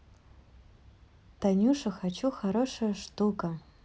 танюше хочу хорошая штука